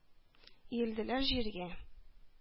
Иелделәр җиргә...